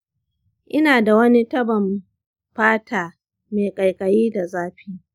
ina da wani tabon fata mai ƙaiƙayi da zafi.